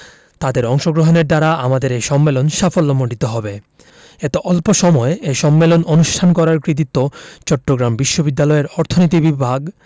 তাদের অংশগ্রহণের দ্বারা আমাদের এ সম্মেলন সাফল্যমণ্ডিত হবে এত অল্প এ সম্মেলন অনুষ্ঠান করার কৃতিত্ব চট্টগ্রাম বিশ্ববিদ্যালয়ের অর্থনীতি বিভাগ